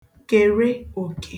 kère òkè